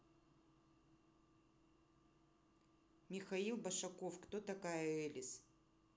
михаил башаков кто такая элис